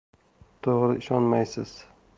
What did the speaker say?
to'g'ri ishonmaysiz